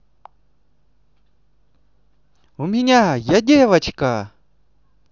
у меня я девочка